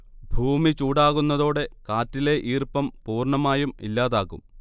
ഭൂമി ചുടാകുന്നതോടെ കാറ്റിലെ ഈർപ്പം പൂർണമായും ഇല്ലാതാകും